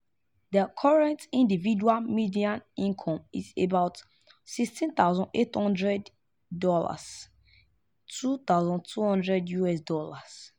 The current individual median income is about HK$16,800 (US$2,200) dollars.